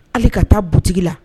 Ale ka taa butigi la